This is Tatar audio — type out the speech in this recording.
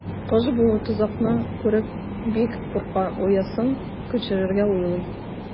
Кош бу тозакны күреп бик курка, оясын күчерергә уйлый.